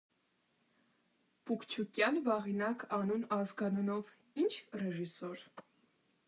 Պուկչուկյան Վաղինակ անուն֊ազգանունով ի՞նչ ռեժիսոր։